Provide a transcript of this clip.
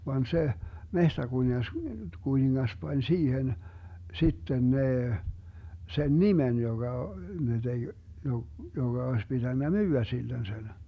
vaan se metsäkuningas kuningas pani siihen sitten ne sen nimen joka ne teki - jonka olisi pitänyt myydä sille sen